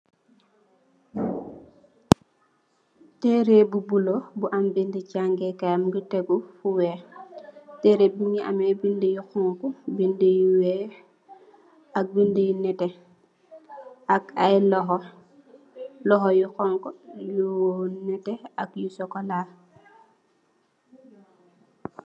Tehreh bu bleu bu am bindu jaangeh kaii mungy tehgu fu wekh, tehreh bii mungy ameh bindu yu honhu, bindu yu wekh ak bindu yu nehteh, ak aiiy lokhor, lokhor yu honhu, yu nehteh ak yu chocolat.